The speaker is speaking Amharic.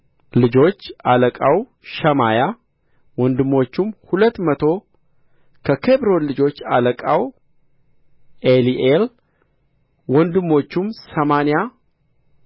ልጆች አለቃው ሸማያ ወንድሞቹም ሁለት መቶ ከኬብሮን ልጆች አለቃው ኤሊኤል ወንድሞቹም ሰማንያ